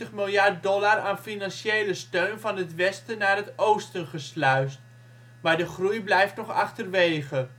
miljard dollar aan financiële steun van het westen naar het oosten gesluisd. Maar de groei blijft nog achterwege